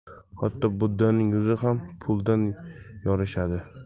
hatto buddaning yuzi ham puldan yorishadi